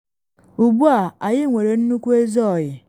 Ugbu a anyị nwere nnukwu ezi ọyị”